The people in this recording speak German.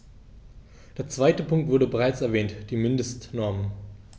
Der zweite Punkt wurde bereits erwähnt: die Mindestnormen.